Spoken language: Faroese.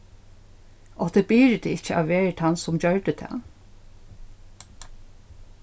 átti birita ikki at verið tann sum gjørdi tað